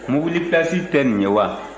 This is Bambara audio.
mobili pilasi tɛ nin ye wa